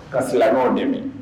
Ka silamɛw dɛmɛ.